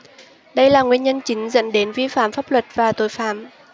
đây là nguyên nhân chính dẫn đến vi phạm pháp luật và tội phạm